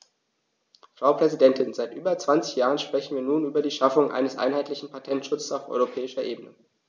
Frau Präsidentin, seit über 20 Jahren sprechen wir nun über die Schaffung eines einheitlichen Patentschutzes auf europäischer Ebene.